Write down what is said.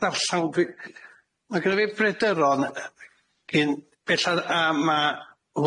Ddarllan dwi ma' gyda fi bryderon cyn bellad a ma'